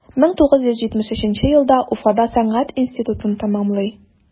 1973 елда уфада сәнгать институтын тәмамлый.